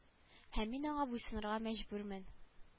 Һәм мин аңа буйсынырга мәҗбүрмен